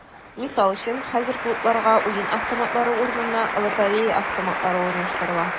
Мисал өчен, хәзер клубларга уен автоматлары урынына “лотерея автоматлары” урнаштырыла.